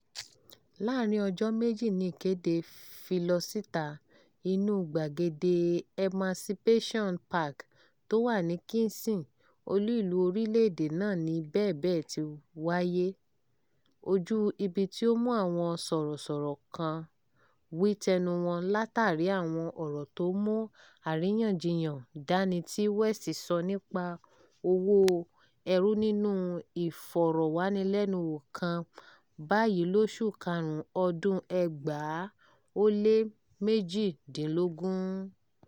Láàárín ọjọ́ méjì ni ìkéde fi lọ síta, inúu gbàgede Emancipation Park tó wà ní Kingston, olú ìlú orílẹ̀ èdè náà ni bẹbẹ́ ti wáyé — ojú ibi tí ó mú àwọn sọ̀rọ̀sọ̀rọ̀ kan wí tẹnu wọn látàrí àwọn ọ̀rọ̀ tó mú àríyànjiyàn dání tí West sọ nípa òwò ẹrú nínú ìfọ̀rọ̀wánilẹ́nuwò kan báyìí lóṣù karùn-ún ọdún-un 2018.